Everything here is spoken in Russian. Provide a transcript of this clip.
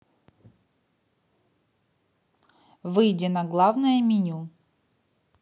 выйди на главное меню